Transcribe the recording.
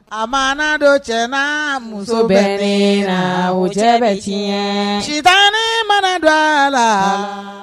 A mana don cɛ n'a muso bɛnnen na u cɛ bɛ tiɲɛɛ sitanɛɛ mana do a la Alaa